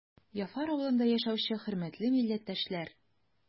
Яфар авылында яшәүче хөрмәтле милләттәшләр!